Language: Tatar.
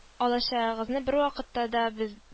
Алачагыгыз бервакытта да без